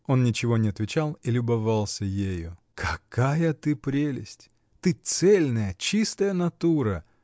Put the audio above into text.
Он ничего не отвечал и любовался ею. — Какая ты прелесть! Ты цельная, чистая натура!